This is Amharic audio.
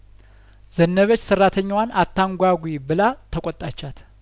ዘነበች ሰራተኛዋን አታንጓጉ ብላ ተቆጣቻት